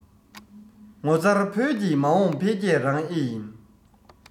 ངོ མཚར བོད ཀྱི མ འོངས འཕེལ རྒྱས རང ཨེ ཡིན